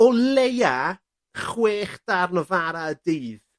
o leia chwech darn o fara y dydd.